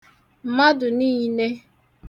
mmadụ̀ niine